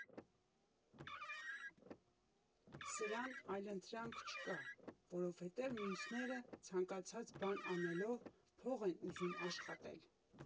Սրան այլընտրանք չկա, որովհետև մյուսները ցանկացած բան անելով փող են ուզում աշխատել։